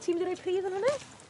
Ti mynd i roi pridd yn hwnne?